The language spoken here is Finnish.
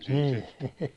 niin